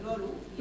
loolu